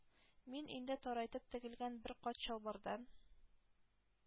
Мин инде тарайтып тегелгән бер кат чалбардан.